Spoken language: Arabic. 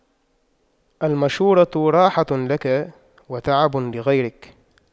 المشورة راحة لك وتعب لغيرك